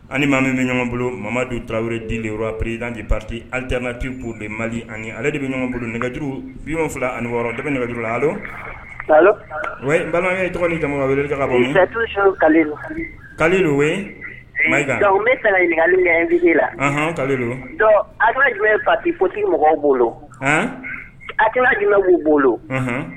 Ani maa bɛ ɲɔgɔn bolo mama don tarawele den deered ni pati alidti' bɛ mali ani ale de bɛ ɲɔgɔn bolo nɛgɛjuruɔn fila ani wɔɔrɔ dɔ bɛ nɛgɛuru la bamanan ye dɔgɔnin kama wele bɛ ɲininkakali na la don' jɔ ye pati pti mɔgɔw bolo a di bu bolo